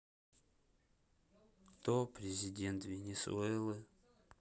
кто президент венесуэллы